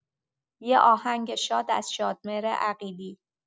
یه آهنگ شاد از شادمهر عقیلی